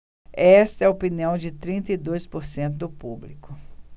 esta é a opinião de trinta e dois por cento do público